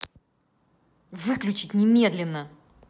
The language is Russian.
выключить немедленно